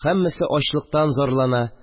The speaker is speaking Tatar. Һәммәсе ачлыктан зарлана